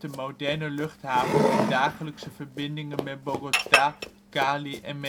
moderne luchthaven met dagelijkse verbindingen met Bogota, Cali en